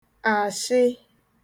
àshị